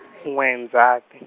n'we Ndzati.